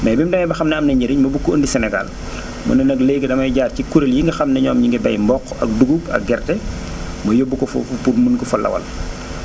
mais bi mu demee ba xam ne am na njëriñ mu bëgg koo indi Sénégal mu ne nag léegi damay jaar ci kuréel yi nga xam ne ñoom ñu ngi bay mboq ak dugub ak gerte ma yóbbu ko foofu pour mën ko fa lawal